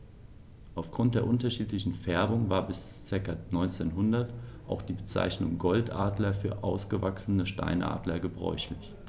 Auf Grund der unterschiedlichen Färbung war bis ca. 1900 auch die Bezeichnung Goldadler für ausgewachsene Steinadler gebräuchlich.